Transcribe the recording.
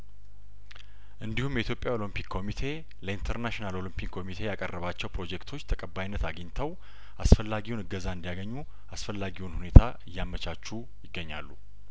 እንዲሁም የኢትዮጵያ ኦሎምፒክ ኮሚቴ ለኢንተርናሽናል ኦሎምፒክ ኮሚቴ ያቀረባቸው ፕሮጀክቶች ተቀባይነት አግኝተው አስፈላጊውን እገዛ እንዲያገኙ አስፈላጊውን ሁኔታ እያመቻቹ ይገኛሉ